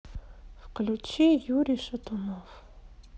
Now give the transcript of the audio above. включи юрий шатунов